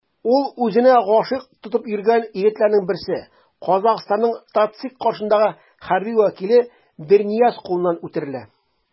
Ул үзенә гашыйк тотып йөргән егетләрнең берсе - Казахстанның ТатЦИК каршындагы хәрби вәкиле Бернияз кулыннан үтерелә.